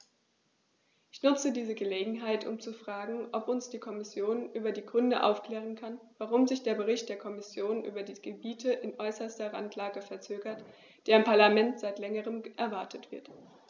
Ich nutze diese Gelegenheit, um zu fragen, ob uns die Kommission über die Gründe aufklären kann, warum sich der Bericht der Kommission über die Gebiete in äußerster Randlage verzögert, der im Parlament seit längerem erwartet wird.